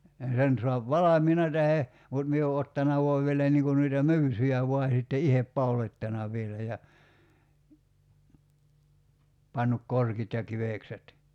ja sen saa valmiina tai mutta minä olen ottanut vain vielä niin kuin noita myysyjä vain sitten itse pauloittanut vielä ja pannut korkit ja kivekset